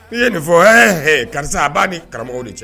I ye nin fɔ, ɛɛ bɛn, karisa, a b'a ni karamɔgɔ de cɛ!